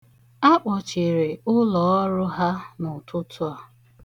Akpọchiri ulọọrụ ha n'ụtụtụ a.